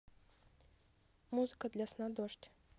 музыка для сна дождь